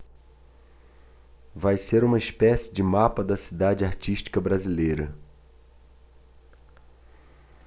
vai ser uma espécie de mapa da cidade artística brasileira